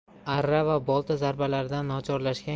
arra va bolta zarbalaridan nochorlashgan